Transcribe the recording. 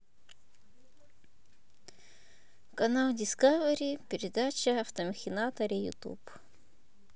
канал дискавери передача автомахинаторы ютуб